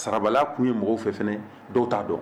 Sarala kun ye mɔgɔw fɛ fɛnɛ dɔw ta dɔn.